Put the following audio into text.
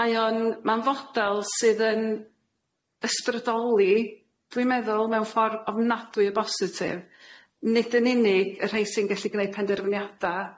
Mae o'n ma'n fodal sydd yn ysbrydoli dwi'n meddwl mewn ffor ofnadwy o bositif nid yn unig y rhei sy'n gallu gneud penderfyniada,